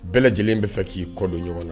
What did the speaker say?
Bɛɛ lajɛlen bi fɛ ki kɔdon ɲɔgɔn na.